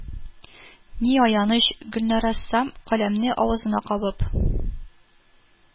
Ни аяныч, Гөлнарәссам, каләмне авызына кабып